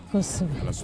An sin ka so